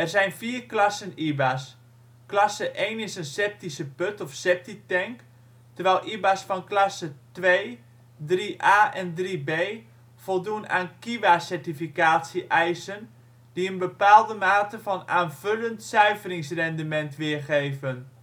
zijn vier klassen IBA 's: klasse 1 is een septische put (septic tank), terwijl IBA 's van klasse 2, 3A en 3B voldoen aan KIWA certificatie-eisen die een bepaalde mate van (aanvullend) zuiveringsrendement weergeven